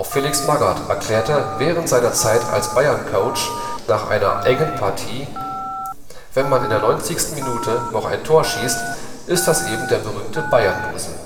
Felix Magath erklärte während seiner Zeit als Bayerncoach nach einer engen Partie: „ Wenn man in der 90. Minute noch ein Tor schießt, ist das eben der berühmte Bayern-Dusel